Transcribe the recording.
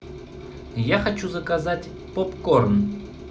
я хочу заказать попкорн